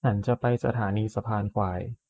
ฉันจะไปสถานีสะพานควาย